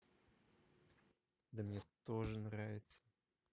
да мне тоже нравится